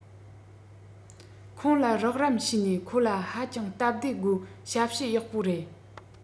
ཁོང ལ རོགས རམ བྱས ནས ཁོ ལ ཧ ཅང སྟབས བདེ སྒོས ཞབས ཞུ ཡག པོ རེད